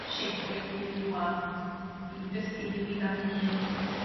shit be' dwi'n gwneud rŵan dwi 'di dysgu hyn i gyd am 'yn hun